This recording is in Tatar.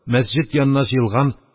Мәсҗед янына җыелган